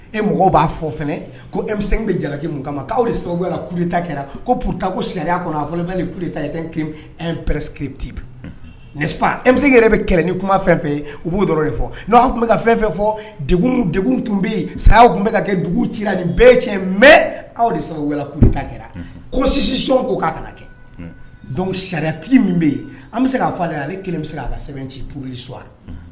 E mɔgɔ b'a fɔ e bɛ jalaki kamata sariya tapɛreti ninfa e yɛrɛ bɛ kɛrɛn ni kuma fɛn fɛ u b'uo de fɔ n tun bɛ ka fɛn fɛn fɔ tun bɛ yen saya tun bɛ ka kɛ dugu ci ni bɛɛ cɛ mɛ aw de sɔrɔ kɛra ko sisisi ko k'a kana kɛ dɔnku sariyatigi min bɛ yen an bɛ se' fɔ la ale kelen bɛ se a ka sɛbɛn ciur s